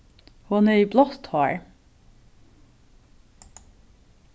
hon hevði blátt hár